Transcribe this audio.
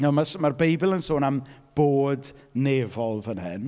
Nawr ma'r s- mae'r Beibl yn sôn am bôd nefol fan hyn.